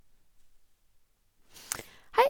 Hei.